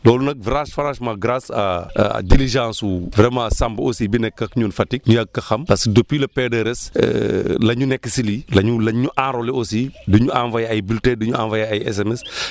loolu nag grâce franchement grâce ) à dirigeance su vraiment Samb aussi bi nekk ak ñun Fatick ñu yàgg ko xam parce que depuis le PDRS la ñu nekk si lii lañ ñu enrôler aussi di ñu envoyé ay bulletins di ñu envoyé ay SMS